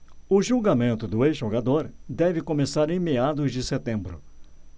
o julgamento do ex-jogador deve começar em meados de setembro